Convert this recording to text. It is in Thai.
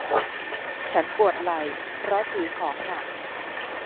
ฉันปวดไหล่เพราะถือของหนัก